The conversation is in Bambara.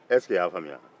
ɛseke i y'a faamuya